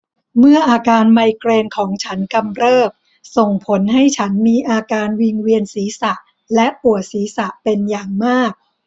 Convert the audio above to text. เมื่ออาการไมเกรนของฉันกำเริบส่งผลให้ฉันมีอาการวิงเวียนศีรษะและปวดศีรษะเป็นอย่างมาก